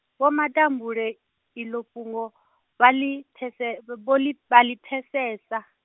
Vho Matambule, iḽo fhungo, vha ḽi pfese-, v- vho ḽi, vha ḽi pfesesa.